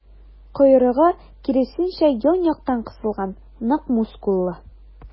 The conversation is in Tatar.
Койрыгы, киресенчә, ян-яктан кысылган, нык мускуллы.